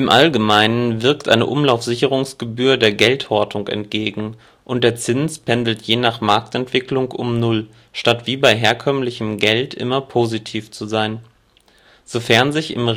Allgemeinen wirkt eine Umlaufsicherungsgebühr der Geldhortung entgegen und der Zins pendelt je nach Marktentwicklung um Null, statt wie bei herkömmlichem Geld immer positiv zu sein. Sofern sich im